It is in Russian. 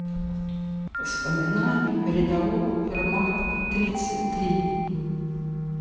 воспоминания рядового вермахта тридцать три